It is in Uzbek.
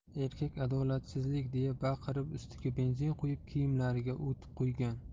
erkak adolatsizlik deya baqirib ustiga benzin quyib kiyimlariga o't qo'ygan